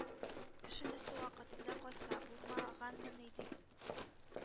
Кеше төсле вакытында кайтса булмаганмыни дип,